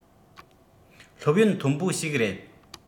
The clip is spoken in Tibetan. སློབ ཡོན མཐོན པོ ཞིག རེད